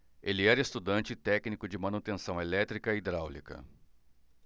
ele era estudante e técnico de manutenção elétrica e hidráulica